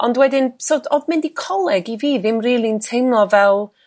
ond wedyn so o'dd mynd i coleg i fi ddim rili'n teimlo fel